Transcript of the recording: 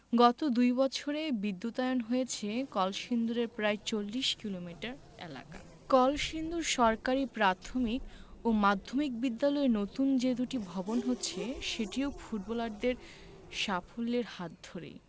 গত দুই বছরে বিদ্যুতায়ন হয়েছে কলসিন্দুরের প্রায় ৪০ কিলোমিটার এলাকা কলসিন্দুর সরকারি প্রাথমিক ও মাধ্যমিক বিদ্যালয়ে নতুন যে দুটি ভবন হচ্ছে সেটিও ফুটবলারদের সাফল্যের হাত ধরেই